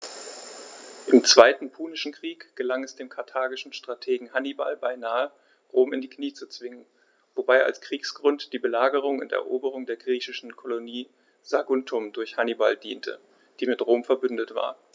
Im Zweiten Punischen Krieg gelang es dem karthagischen Strategen Hannibal beinahe, Rom in die Knie zu zwingen, wobei als Kriegsgrund die Belagerung und Eroberung der griechischen Kolonie Saguntum durch Hannibal diente, die mit Rom „verbündet“ war.